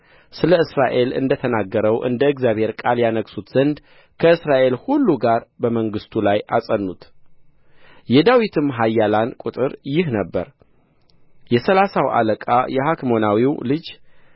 ስለ እስራኤል እንደ ተናገረው የእግዚአብሔር ቃል ያነግሡት ዘንድ ከእስራኤል ሁሉ ጋር በመንግሥቱ ላይ አጸኑት የዳዊትም ኃያላን ቍጥር ይህ ነበረ የሠላሳው አለቃ የአክሞናዊው ልጅ